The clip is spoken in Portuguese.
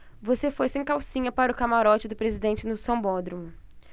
você foi sem calcinha para o camarote do presidente no sambódromo